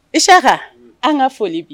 I ska an ka foli bi